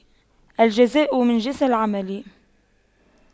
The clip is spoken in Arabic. الجزاء من جنس العمل